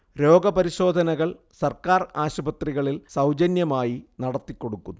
രോഗപരിശോധനകൾ സർക്കാർ ആശുപത്രികളിൽ സൗജന്യമായി നടത്തിക്കൊടുക്കുന്നു